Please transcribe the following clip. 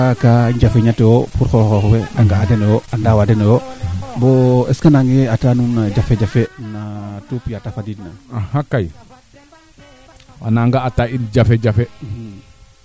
ndaa xam num tu wiid no question ne te ref jafe jafe fee i njega naxa axa xe te ref ax paax limaa xong a lawa keene leyoonga